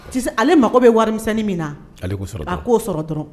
Tu sais ale mago bɛ warimisɛnni min na. Ale k'o sɔrɔ dɔrɔn. A k'o sɔrɔ dɔrɔn.